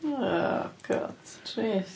Oh God, trist.